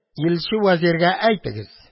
Илче вәзиргә әйтегез